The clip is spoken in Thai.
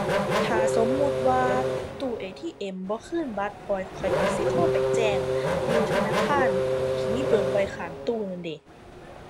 ถ้าสมมุติว่าตู้ ATM บ่คืนบัตรข้อย ข้อยก็สิโทรไปแจ้ง อยู่ธนาคารที่มีเบอร์ไว้ข้างตู้นั้นเดะ